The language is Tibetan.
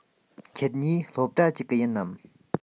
ཁྱེད གཉིས སློབ གྲྭ གཅིག གི ཡིན ནམ